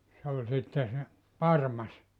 se oli sitten se parmas